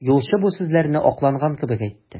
Юлчы бу сүзләрне акланган кебек әйтте.